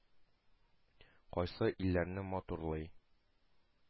Кайсы илләрне матурлый,